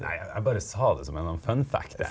nei jeg bare sa det som en sånn funfact jeg.